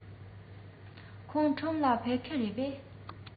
ཁོང ཁྲོམ ལ ཕེབས མཁན རེད པས